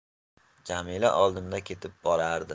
jamila oldimda ketib borardi